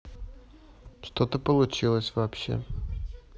что ты получилось вообще